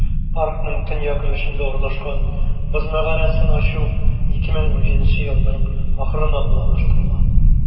Паркның төньяк өлешендә урнашкан "Боз мәгарәсен" ачу 2017 елның ахырына планлаштырыла.